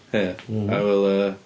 Ie i will yy...